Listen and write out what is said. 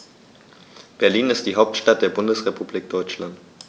Berlin ist die Hauptstadt der Bundesrepublik Deutschland.